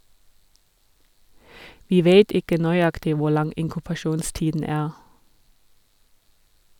- Vi vet ikke nøyaktig hvor lang inkubasjonstiden er.